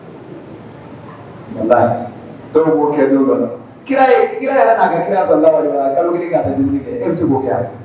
Kɛ kira ye , Kira yɛrɛ na ka kira ya salalaha walemasala ye kalo 1kɛ a ti dumunu kɛ. E bi se ki kɛ wa